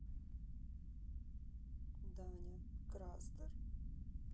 даня крастер